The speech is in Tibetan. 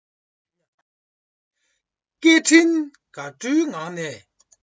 སྐད འཕྲིན དགའ སྤྲོའི ངང ནས